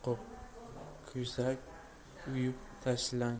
qop ko'sak uyub tashlangan